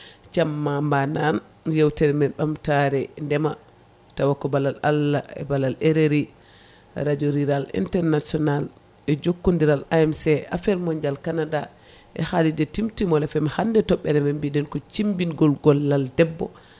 jamma maname yewtere men ɓamtare ndeema tawa ko ballal Allah e ballal RRI radio rural international e jokkodiral AMC affaire mondial canada e haalirde Timtimol FM hande toɓɓere men mbiɗen ko cimbingol gollal debbo